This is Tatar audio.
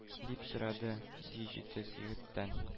Дип сорады, ди, җитез егеттән.